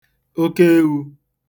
oke ewū